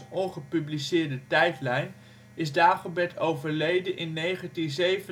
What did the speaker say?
ongepubliceerde) tijdlijn is Dagobert overleden in 1967